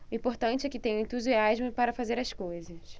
o importante é que tenho entusiasmo para fazer as coisas